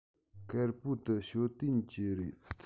དཀར པོ འདི ཞའོ ཏོན གྱི རེད